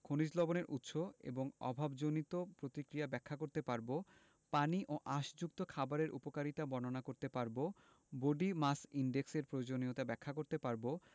⦁ খনিজ লবণের উৎস এবং এর অভাবজনিত প্রতিক্রিয়া ব্যাখ্যা করতে পারব ⦁ পানি ও আশযুক্ত খাবারের উপকারিতা বর্ণনা করতে পারব ⦁ বডি মাস ইনডেক্স এর প্রয়োজনীয়তা ব্যাখ্যা করতে পারব